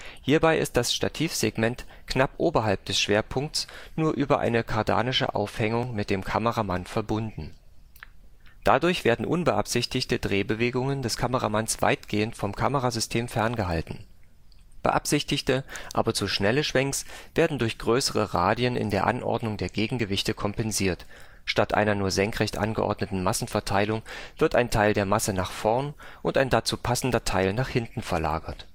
Hierbei ist das Stativsegment knapp oberhalb des Schwerpunkts nur über eine Kardanische Aufhängung mit dem Kameramann verbunden. Dadurch werden unbeabsichtigte Drehbewegungen des Kameramanns weitgehend vom Kamerasystem ferngehalten. Beabsichtigte, aber zu schnelle Schwenks werden durch größere Radien in der Anordnung der Gegengewichte kompensiert (statt einer nur senkrecht angeordneten Massenverteilung wird ein Teil der Masse nach vorn und ein dazu passender Teil nach hinten verlagert